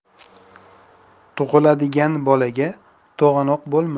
tug'iladigan bolaga to'g'anoq bo'lma